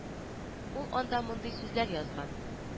Ул анда мондый сүзләр язган